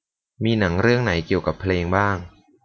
มีหนังเรื่องไหนเกี่ยวกับเพลงบ้าง